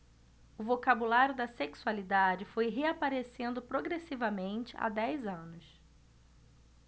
o vocabulário da sexualidade foi reaparecendo progressivamente há dez anos